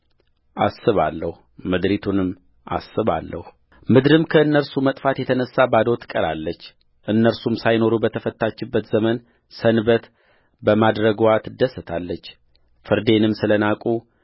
አስባለሁ ምድሪቱንም አስባለሁምድርም ከእነርሱ መጥፋት የተነሣ ባዶ ትቀራለች እነርሱም ሳይኖሩ በተፈታችበት ዘመን ሰንበት በማድረግዋ ትደሰታለች ፍርዴንም ስለ ናቁ